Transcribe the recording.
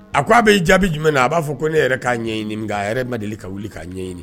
A ko a b bɛ' jaabi jumɛn na a b'a fɔ ko ne yɛrɛ k'a ɲɛɲini nka yɛrɛ ma deli ka wuli k'a ɲɛɲini